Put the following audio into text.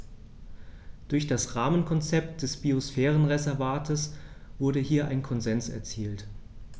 Durch das Rahmenkonzept des Biosphärenreservates wurde hier ein Konsens erzielt.